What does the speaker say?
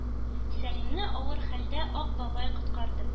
Сәлимне авыр хәлдән Ак бабай коткарды.